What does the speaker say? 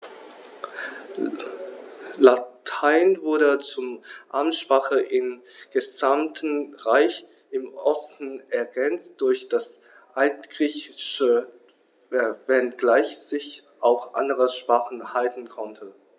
Latein wurde zur Amtssprache im gesamten Reich (im Osten ergänzt durch das Altgriechische), wenngleich sich auch andere Sprachen halten konnten.